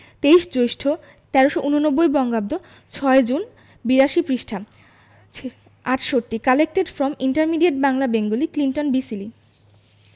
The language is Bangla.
২৩ জ্যৈষ্ঠ ১৩৮৯ বঙ্গাব্দ/৬ জুন৮২ পৃষ্ঠাঃ ৬৮ collected from intermediate Bangla Bengali Clinton B Seely